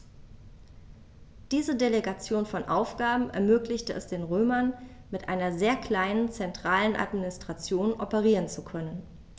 Diese Delegation von Aufgaben ermöglichte es den Römern, mit einer sehr kleinen zentralen Administration operieren zu können.